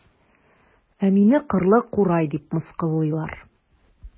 Ә мине кырлы курай дип мыскыллыйлар.